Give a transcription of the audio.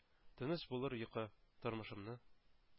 «тыныч булыр йокы, тормышымны